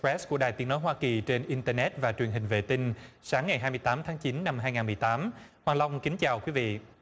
bét của đài tiếng nói hoa kỳ trên in tơ nét và truyền hình vệ tinh sáng ngày hai mươi tám tháng chín năm hai ngàn mười tám hoa long kính chào quý vị